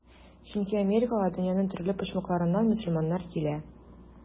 Чөнки Америкага дөньяның төрле почмакларыннан мөселманнар килә.